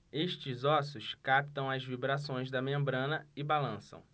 estes ossos captam as vibrações da membrana e balançam